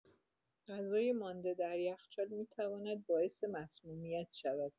غذای مانده در یخچال می‌تواند باعث مسمومیت شود.